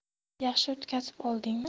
yaxshi o'tkazib oldingmi